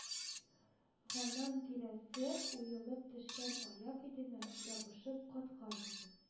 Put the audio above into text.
Ганнан тиресе уелып төшкән аяк итенә ябышып каткан иде